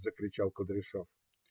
- закричал Кудряшов.